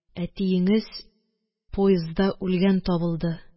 Әтиеңез поездда үлгән табылды